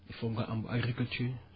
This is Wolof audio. il faut nga am bu agriculture